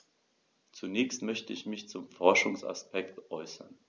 Zunächst möchte ich mich zum Forschungsaspekt äußern.